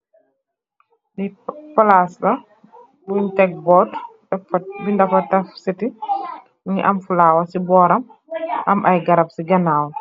Lii palaas la buñg tek boor, binda fa Taf Siti. Mu ngi am falaawa, si bóoram, am ay garab si ganaawam.